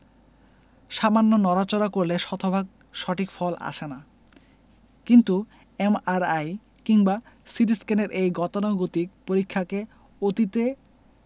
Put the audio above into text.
সামান্য নড়াচড়া করলে শতভাগ সঠিক ফল আসে না কিন্তু এমআরআই কিংবা সিটিস্ক্যানের এই গতানুগতিক পরীক্ষাকে অতীতে